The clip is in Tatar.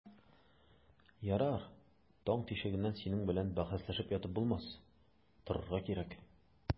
Ярар, таң тишегеннән синең белән бәхәсләшеп ятып булмас, торырга кирәк.